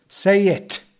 Say it!